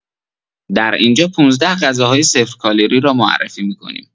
در اینجا ۱۵ غذاهای صفر کالری را معرفی می‌کنیم